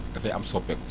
dafay am soppeeku